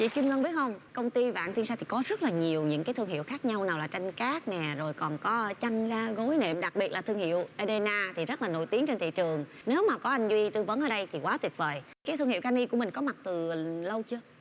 chị kim ngân biết hông công ty vạn thiên sa thì có rất là nhiều những cái thương hiệu khác nhau nào là tranh cát nè rồi còn có chăn ga gối nệm đặc biệt là thương hiệu ê đê na thì rất là nổi tiếng trên thị trường nếu mà có anh duy tư vấn ở đây thì quá tuyệt vời các thương hiệu ca ny của mình có mặt từ lâu chưa